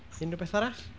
Unrhyw beth arall?